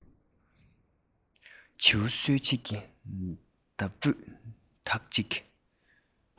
བྱིའུ གསོད བྱེད ཀྱི མདའ སྤུས དག ཅིག